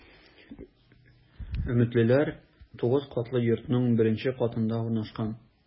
“өметлеләр” 9 катлы йортның беренче катында урнашкан.